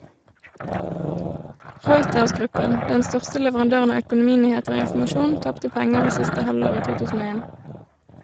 Reuters-gruppen, den største leverandøren av økonominyheter og informasjon, tapte penger i siste halvår i 2001.